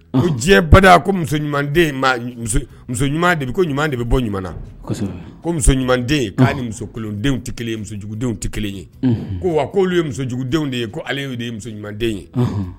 Ko diɲɛ ba ɲuman ɲuman de bɛ bɔ ɲuman'a muso tɛjugudenw tɛ kelen ye ko wa ye musojugudenw de ye ko de ye muso ɲuman ye